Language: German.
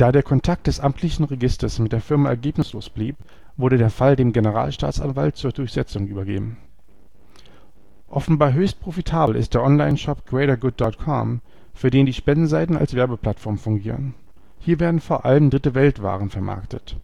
der Kontakt des amtlichen Registers mit der Firma ergebnislos blieb, wurde der Fall dem Generalstaatsanwalt zur Durchsetzung übergeben. Offenbar höchst profitabel ist der Online-Shop GreaterGood.com, für den die Spendenseiten als Werbeplattform fungieren. Hier werden vor allem Dritte-Welt-Waren vermarktet